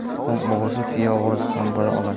tuxum o'g'risi tuya o'g'risi ham bo'la oladi